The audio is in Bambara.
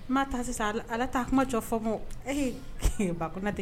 N' maa taa sisan al ala taa kuma jɔ fɔ mɔ ehe ba Kɔnate